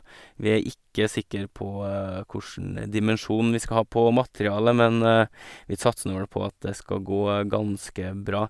Vi er ikke sikker på kossjn dimensjon vi skal ha på materialet, men vi satser nå vel på at det skal gå ganske bra.